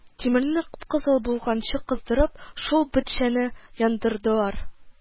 Тимерне кып-кызыл булганчы кыздырып, шул бетчәне яндырдылар